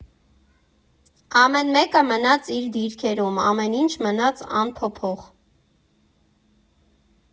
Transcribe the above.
Ամեն մեկը մնաց իր դիրքերում, ամեն ինչ մնաց անփոփոխ։